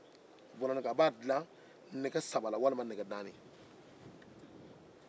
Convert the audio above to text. a b'a dila nɛgɛ saba walima nɛgɛ naani